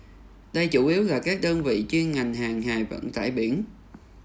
đây chủ yếu là các đơn vị chuyên ngành hàng hải vận tải biển